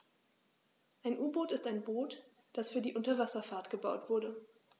Ein U-Boot ist ein Boot, das für die Unterwasserfahrt gebaut wurde.